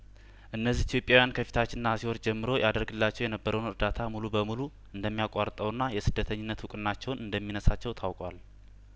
እነዚህ ኢትዮጵያን ከፊታችን ነሀሴ ወር ጀምሮ ያደርግላቸው የነበረውን እርዳታ ሙሉ በሙሉ እንደሚያቋርጠውና የስደተኝነት እውቅናቸውን እንደሚነሳቸው ታውቋል